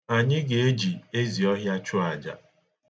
Anyị ga-eji ezi ọhịa chụ aja.